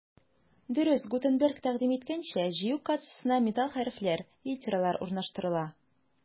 Дөрес, Гутенберг тәкъдим иткәнчә, җыю кассасына металл хәрефләр — литералар урнаштырыла.